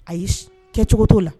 A y yei kɛcogo' la